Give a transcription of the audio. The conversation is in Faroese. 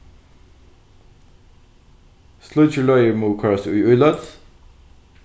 slíkir løgir mugu koyrast í íløt